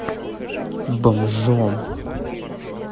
бомжом